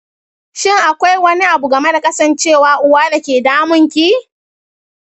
shin akwai wani abu game da kasancewa uwa da ke damunki?